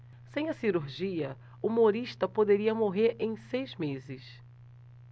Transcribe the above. sem a cirurgia humorista poderia morrer em seis meses